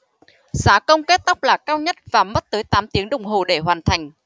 giá công kết tóc là cao nhất và mất tới tám tiếng đồng hồ để hoàn thành